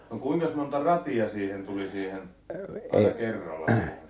no kuinkas monta ratia siihen tuli siihen aina kerralla